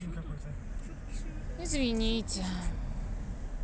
извините